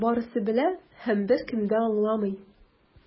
Барысы да белә - һәм беркем дә аңламый.